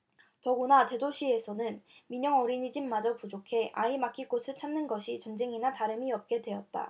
더구나 대도시에서는 민영 어린이집마저 부족해 아이 맡길 곳을 찾는 것이 전쟁이나 다름이 없게 되었다